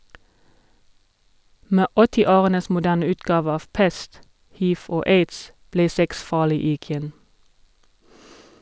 Med åttiårenes moderne utgave av pest, hiv og aids, ble sex farlig igjen.